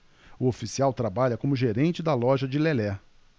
o oficial trabalha como gerente da loja de lelé